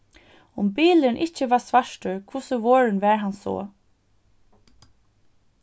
um bilurin ikki var svartur hvussu vorðin var hann so